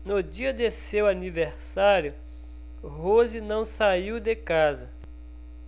no dia de seu aniversário rose não saiu de casa